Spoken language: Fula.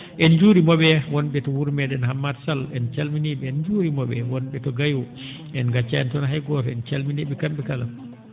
en njuuriima ?e won?e to wuro mee?en Hammat Sall en calminii?e en njuuriima ?e won?e to Gayo en ngaccaani toon hay gooto en calminii ?e kam?e kala